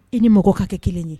I ni mɔgɔ ka kɛ kelen ye